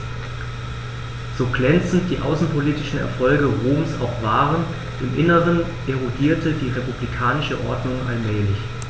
So glänzend die außenpolitischen Erfolge Roms auch waren: Im Inneren erodierte die republikanische Ordnung allmählich.